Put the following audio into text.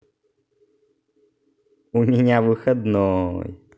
у меня выходной